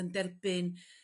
yn derbyn